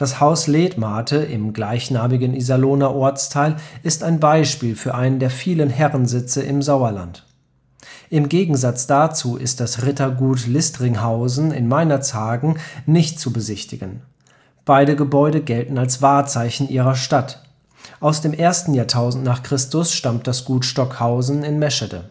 Haus Letmathe im gleichnamigen Iserlohner Ortsteil ist ein Beispiel für einen der vielen Herrensitze im Sauerland. Im Gegensatz dazu ist das Rittergut Listringhausen in Meinerzhagen nicht zu besichtigen. Beide Gebäude gelten als Wahrzeichen ihrer Stadt. Aus dem ersten Jahrtausend nach Christus stammt das Gut Stockhausen in Meschede